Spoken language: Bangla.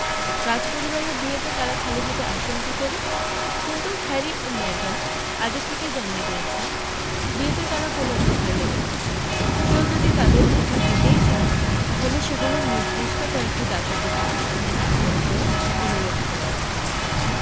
রাজপরিবারের বিয়েতে তাঁরা খালি হাতে আসেন কী করে কিন্তু হ্যারি ও মেগান আগে থেকে জানিয়ে দিয়েছেন বিয়েতে তাঁরা কোনো উপহার নেবেন না কেউ যদি তাঁদের উপহার দিতেই চান তাহলে সেগুলো নির্দিষ্ট কয়েকটি দাতব্য প্রতিষ্ঠানে দান করে দেওয়ার অনুরোধ জানানো হয়েছে